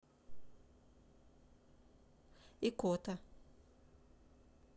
икота